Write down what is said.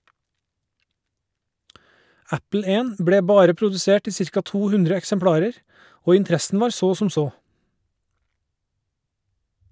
Apple 1 ble bare produsert i ca. 200 eksemplarer, og interessen var så som så.